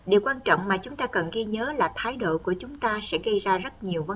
điều quan trọng mà chúng ta cần ghi nhớ là thái độ của chúng ta sẽ gây ra rất nhiều vấn đề